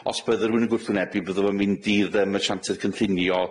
Os bydde rhywun yn gwrthwynebu, bydde fe'n mynd i'r yy asianteth gynllunio,